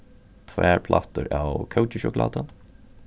tvær plátur av kókisjokulátu